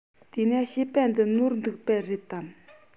དེ ན བཤད པ འདི ནོར འདུག པ རེད དམ